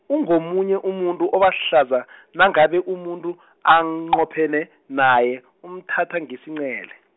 ungomunye umuntu obahlaza , nangabe umuntu , anqophene, naye, umthatha ngesincele.